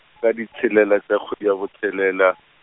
tša di tshelela tše kgwedi ya botshelela.